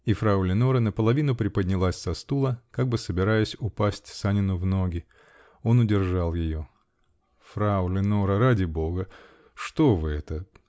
И фрау Леноре наполовину приподнялась со стула, как бы собираясь упасть Санину в ноги. Он удержал ее. -- Фрау Леноре! Ради бога! Что вы это?